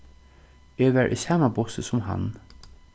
eg var í sama bussi sum hann